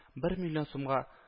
Бер миллион сумга